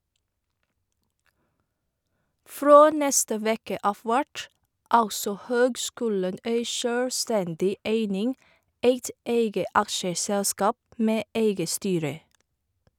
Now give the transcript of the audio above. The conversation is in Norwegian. Frå neste veke av vert altså høgskulen ei sjølvstendig eining, eit eige aksjeselskap med eige styre.